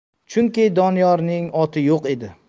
chunki doniyorning oti yo'q edi